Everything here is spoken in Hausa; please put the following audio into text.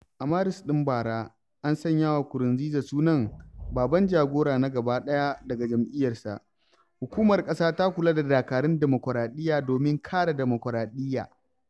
A Maris ɗin bara, an sanya wa Nkurunziza sunan "baban jagora na gabaɗaya" daga jam'iyyarsa, Hukumar ƙasa ta Kula da Dakarun Dimukuraɗiyya domin kare Dimukuraɗiyya.